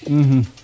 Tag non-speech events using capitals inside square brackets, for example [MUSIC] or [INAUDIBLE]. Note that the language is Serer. [HESITATION] [HESITATION]